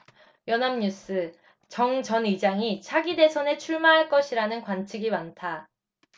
연합뉴스 정 전 의장이 차기 대선에 출마할 것이라는 관측이 많다